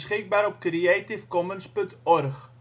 51° 59 ' NB, 6° 19 ' OL